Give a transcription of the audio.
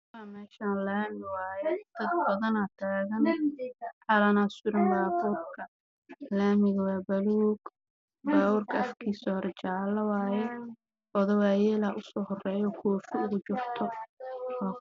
Meeshaan laami waaye dad badan ayaa taagan